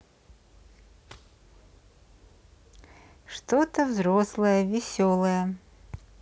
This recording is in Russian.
что то взрослое веселая